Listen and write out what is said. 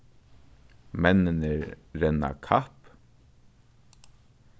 menninir renna kapp